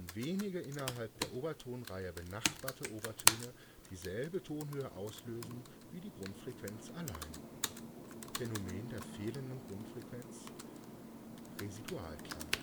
wenige innerhalb der Obertonreihe benachbarte Obertöne dieselbe Tonhöhe auslösen wie die Grundfrequenz allein (Phänomen der " Fehlenden Grundfrequenz ", Residualklang